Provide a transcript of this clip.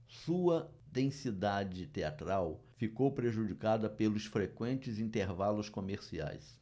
sua densidade teatral ficou prejudicada pelos frequentes intervalos comerciais